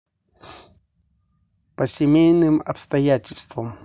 по семейным обстоятельствам